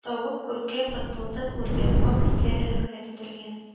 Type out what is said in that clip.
Тавык, күркә, бытбылдык, үрдәк, каз итләре рөхсәт ителгән.